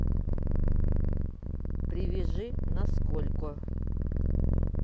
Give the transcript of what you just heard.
привяжи насколько